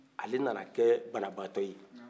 ale na na kɛ banabaatɔ ye